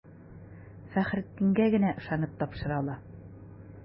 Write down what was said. Фәхреддингә генә ышанып тапшыра ала.